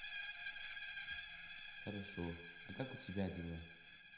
хорошо а как у тебя дела